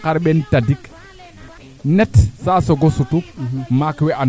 to den fa qoox den neede njiltoogina ten refu yee fa a teɓake aussi